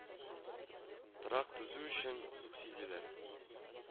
Торак төзү өчен субсидияләр